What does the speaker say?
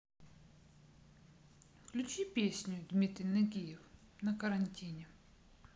включи песню дмитрий нагиев на карантине